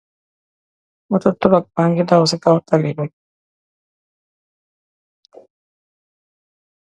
Moto truck mbagi daw si kaw talibi.